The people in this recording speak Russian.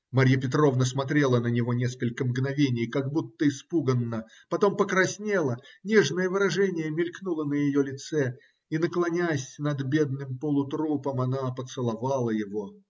Марья Петровна смотрела на него несколько мгновений как будто испуганно, потом покраснела, нежное выражение мелькнуло на ее лице, и, наклонясь над бедным полутрупом, она поцеловала его.